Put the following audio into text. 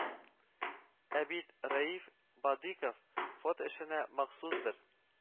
Ә бит Рәиф Бадыйков фото эшенә махсус бер